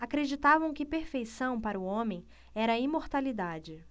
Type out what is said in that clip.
acreditavam que perfeição para o homem era a imortalidade